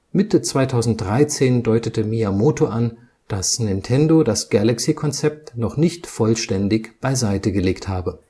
Mitte 2013 deutete Miyamoto an, dass Nintendo das Galaxy-Konzept noch nicht vollständig beiseite gelegt habe